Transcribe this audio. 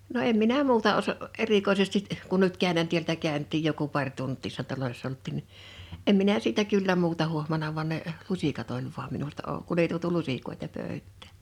no en minä muuta - erikoisesti kun nyt käynnän täältä käytiin joku pari tuntia niissä taloissa oltiin niin en minä siitä kyllä muuta huomannut vaan ne lusikat oli vain minulta - kun ei tuotu lusikoita pöytään